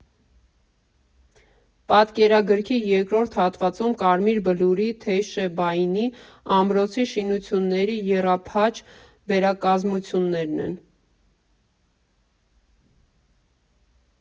Պատկերագրքի երկրոդ հատվածում Կարմիր Բլուրի՝ Թեյշեբաինի ամրոցի շինությունների եռափաչ վերակազմություններն են։